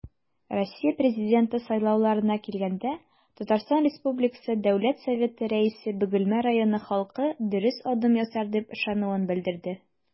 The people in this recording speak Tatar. Россия Президенты сайлауларына килгәндә, ТР Дәүләт Советы Рәисе Бөгелмә районы халкы дөрес адым ясар дип ышануын белдерде.